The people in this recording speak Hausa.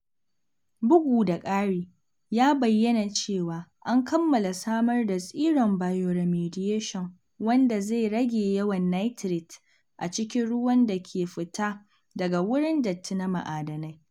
Bugu da ƙari, ya bayyana cewa an kammala samar da tsiron bioremediation wanda zai rage yawan nitrate a cikin ruwan da ke fita daga wurin datti na ma’adanai